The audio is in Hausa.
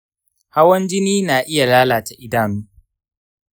hawan jini na iya lalata idanu?